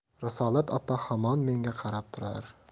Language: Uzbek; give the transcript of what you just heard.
risolat opa hamon menga qarab turar